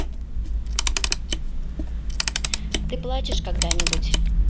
ты плачешь когда нибудь